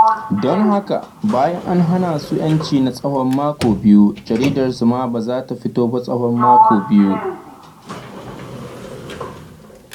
Don haka, bayan an hana su 'yanci na tsawon mako biyu, jaridarsu ma ba za ta fito ba tsawon mako biyu.